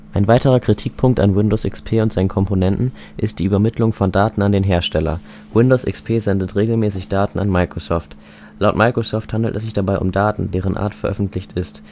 Ein weiterer Kritikpunkt an Windows XP und seinen Komponenten ist die Übermittlung von Daten an den Hersteller. Windows XP sendet regelmäßig Daten an Microsoft. Laut Microsoft handelt es sich dabei um Daten, deren Art veröffentlicht ist